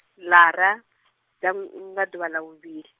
ḽara, dzan- nga ḓuvha ḽa vhuvhili.